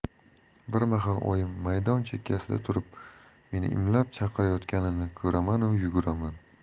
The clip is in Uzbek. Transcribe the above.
bir mahal oyim maydon chekkasida turib meni imlab chaqirayotganini ko'ramanu yuguraman